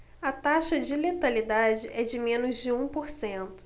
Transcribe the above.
a taxa de letalidade é de menos de um por cento